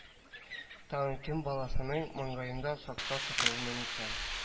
Тагын кем баласының маңгаенда сакта торырмын икән